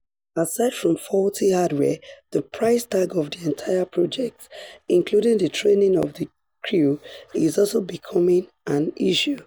Aside from faulty hardware, the price tag of the entire project - including the training of the crew - is also becoming an issue.